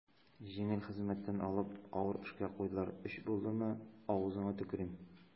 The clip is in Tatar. Җиңел хезмәттән алып авыр эшкә куйдылар, өч булдымы, авызыңа төкерим.